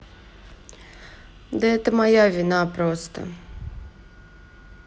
да это моя вина просто